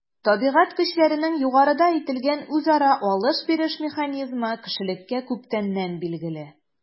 Табигать көчләренең югарыда әйтелгән үзара “алыш-биреш” механизмы кешелеккә күптәннән билгеле.